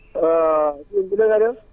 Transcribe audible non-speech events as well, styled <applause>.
<hesitation> sëñ bi na nga def